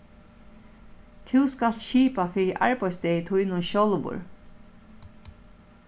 tú skalt skipa fyri arbeiðsdegi tínum sjálvur